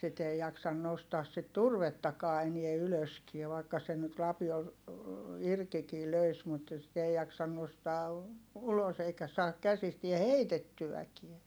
sitten ei jaksa nostaa sitä turvettakaan enää ylöskään vaikka sen nyt lapiolla irtikin löisi mutta sitä ei jaksa nostaa ulos eikä saa käsistään heitettyäkään